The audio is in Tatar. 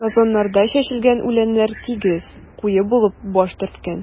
Газоннарда чәчелгән үләннәр тигез, куе булып баш төрткән.